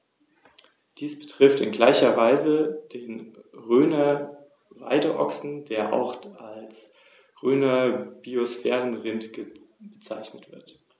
Gerade die Sklaverei spielte im Rahmen der römischen Wirtschaft eine wichtige Rolle, wobei die Sklaven zu ganz unterschiedlichen Tätigkeiten herangezogen wurden, aber gleichzeitig die Möglichkeit bestand, dass sie ihre Freiheit zurückerlangen konnten.